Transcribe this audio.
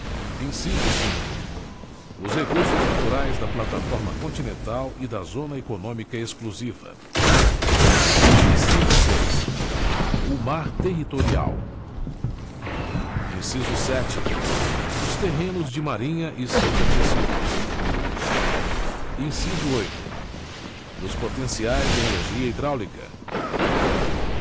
inciso cinco os recursos naturais da plataforma continental e da zona econômica exclusiva inciso seis o mar territorial inciso sete os terrenos de marinha e seus acrescidos inciso oito os potenciais de energia hidráulica